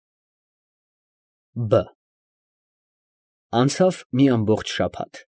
Բ Անցավ մի ամբողջ շաբաթ։